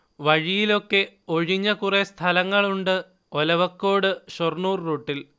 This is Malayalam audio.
വഴിയിലൊക്കെ ഒഴിഞ്ഞ കുറേ സ്ഥലങ്ങൾ ഉണ്ട്, ഒലവക്കോട്-ഷൊർണൂർ റൂട്ടിൽ